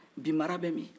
bi mara bɛ min